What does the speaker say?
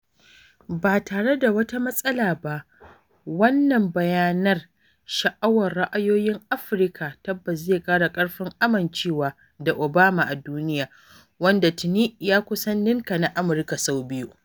Ba tare da wata matsala ba, wannan bayyanar sha'awar ra'ayoyin Afirka tabbas zai ƙara ƙarfin amincewa da Obama a duniya, wanda tuni ya kusan ninka na Amurka sau biyu.